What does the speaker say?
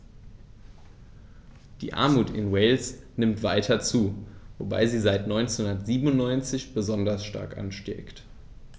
Die Armut in Wales nimmt weiter zu, wobei sie seit 1997 besonders stark ansteigt.